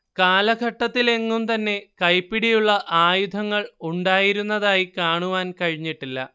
കാലഘട്ടത്തിലെങ്ങും തന്നെ കൈപിടിയുള്ള ആയുധങ്ങൾ ഉണ്ടായിരുന്നതായി കാണുവാൻ കഴിഞ്ഞിട്ടില്ല